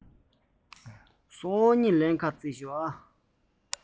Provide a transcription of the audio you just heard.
འོ ན སང ཉིན ལེན ག ཕེབས དང